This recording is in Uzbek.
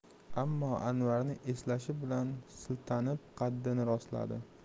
ammo anvarni eslashi bilan siltanib qaddini rostladi